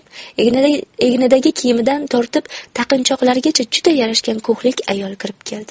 egnidagi kiyimidan tortib taqinchoqlarigacha juda yarashgan ko'hlik ayol kirib keldi